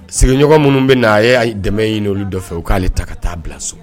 Sigiɲɔgɔn minnu bɛ na a ye dɛmɛ in olu dɔ fɛ u k'ale ta ka taa bila so